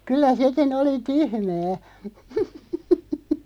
kyllä sekin oli tyhmää